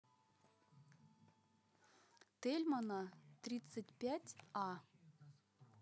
тельмана тридцать пять а